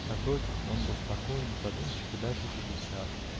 напротив, он был спокоен, задумчив и даже величав.